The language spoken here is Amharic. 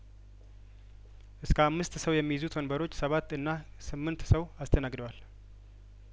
እስካም ስት ሰው የሚይዙት ወን በሮች ሰባት እና ስምንት ሰው አስተናግ ደዋል